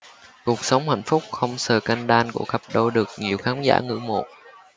cuộc sống hạnh phúc không scandal của cặp đôi được nhiều khán giả ngưỡng mộ